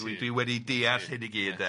Dwi dwi wedi deall hyn i gyd de? Na ti.